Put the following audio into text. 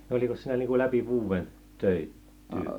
no olikos siinä niin kuin läpi vuoden - työtä